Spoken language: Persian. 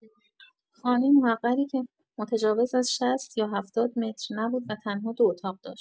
خانه محقری که متجاوز از ۶۰ یا ۷۰ متر نبود و تنها دو اتاق داشت.